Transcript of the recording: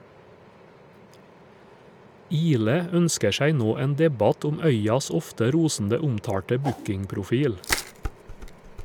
Ihle ønsker seg nå en debatt om Øyas ofte rosende omtalte bookingprofil.